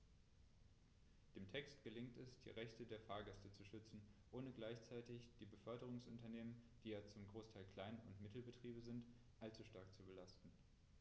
Dem Text gelingt es, die Rechte der Fahrgäste zu schützen, ohne gleichzeitig die Beförderungsunternehmen - die ja zum Großteil Klein- und Mittelbetriebe sind - allzu stark zu belasten.